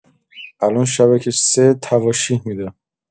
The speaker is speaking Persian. الان شبکه سه تواشیح می‌ده!